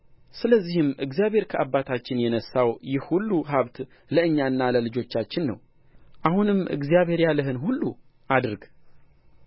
ስለዚህም እግዚአብሔር ከአባታችን የነሣው ይህ ሁሉ ሀብት ለእኛና ለልጆቻችን ነው አሁንም እግዚአብሔር ያለህን ሁሉ አድርግ